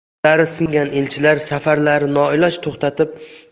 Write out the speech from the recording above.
umidlari singan elchilar safarlarini noiloj to'xtatib